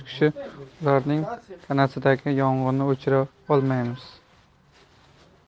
kishi ukamning tanasidagi yong'inni o'chira olmayapmiz